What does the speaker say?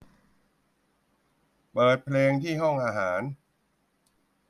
เปิดเพลงที่ห้องอาหาร